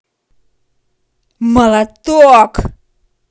молоток